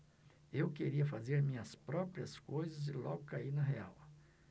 eu queria fazer minhas próprias coisas e logo caí na real